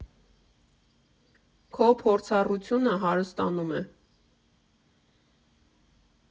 Քո փորձառությունը հարստանում է։